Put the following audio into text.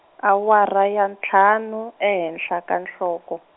awara ya ntlhanu, ehenhla ka nhloko.